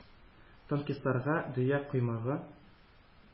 Танкистларга – дөя “коймагы”